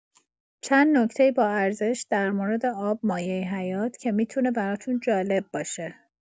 چند نکته باارزش در مورد آب مایع حیات که می‌تونه براتون‌جالب باشه